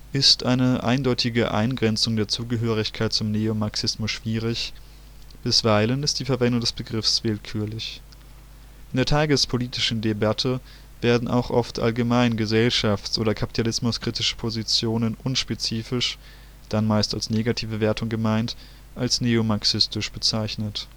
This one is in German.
ist eine eindeutige Eingrenzung der Zugehörigkeit zum Neomarxismus schwierig, bisweilen ist die Verwendung des Begriffs willkürlich; in der tagespolitischen Debatte werden auch oft allgemein gesellschafts - oder kapitalismuskritische Positionen unspezifisch – dann meist als negative Wertung gemeint – als neomarxistisch bezeichnet